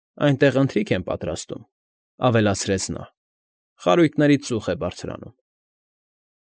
Այնտեղ ընթրիք են պատրաստում,֊ ավելացրեց նա,֊ խարույկներից ծուխ է բարձրանում։